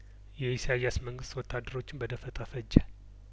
የኢሳያስ መንግስት ወታደሮቹን በደፈጣ ፈጀ